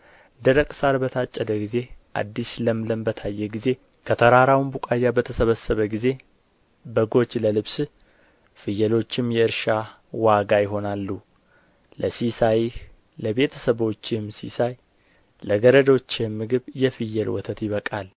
ደረቅ ሣር በታጨደ ጊዜ አዲስ ለምለም በታየ ጊዜ ከተራራውም ቡቃያ በተሰበሰበ ጊዜ በጎች ለልብስህ ፍየሎችም የእርሻ ዋጋ ይሆናሉ ለሲሳይህ ለቤተ ሰቦችህም ሲሳይ ለገረዶችህም ምግብ የፍየል ወተት ይበቃል